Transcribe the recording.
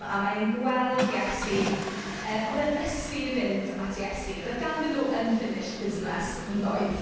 A ma' e'n gweld Iesu. Yym oedd e'n ysu fynd at Iesu. Roedd ganddyn nhw unfinished business, yn doedd.